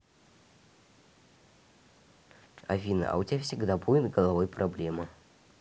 афина а у тебя всегда будет головой проблемы